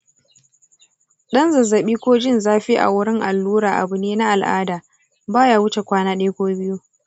ɗan zazzabi ko jin zafi a wurin allura abu ne na al’ada, baya wuce kwana ɗaya ko biyu.